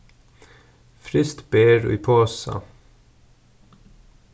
fryst ber í posa